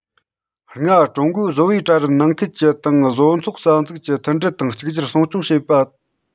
ལྔ ཀྲུང གོའི བཟོ པའི གྲལ རིམ ནང ཁུལ གྱི དང བཟོ ཚོགས རྩ འཛུགས ཀྱི མཐུན སྒྲིལ དང གཅིག གྱུར སྲུང སྐྱོང བྱེད པ